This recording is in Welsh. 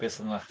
Beth oedd 'na?